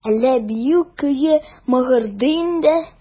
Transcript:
Әллә бию көе мыгырдый инде?